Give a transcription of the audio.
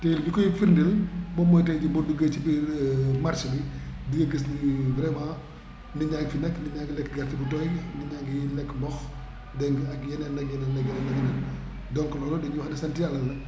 te li koy firndeel moom mooy tay jii boo duggee ci biir marché bi di nga gis ni vraiment nit ñaa ngi fi nekk nit ñaa ngi lekk gerte bu doy nit ñaa ngi lekk mboq dégg nga ak yeneen ak yeneen ak yeneen ak yeneen donc loolu dañuy wax ne sant Yàlla la